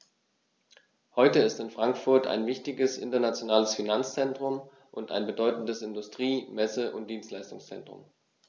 Heute ist Frankfurt ein wichtiges, internationales Finanzzentrum und ein bedeutendes Industrie-, Messe- und Dienstleistungszentrum.